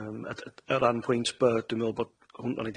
Yym a d- o ran pwynt By dwi'n me'wl bod hwn- fo ni